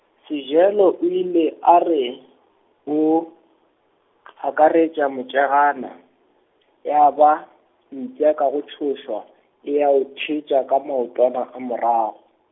Sejelo o ile a re, o, akaretša motšegana, ya ba mpša ka go tšhošwa, e ya o thetša ka maotwana a morago.